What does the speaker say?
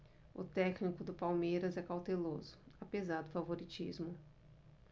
o técnico do palmeiras é cauteloso apesar do favoritismo